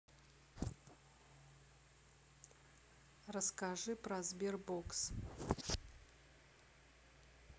расскажи про sberbox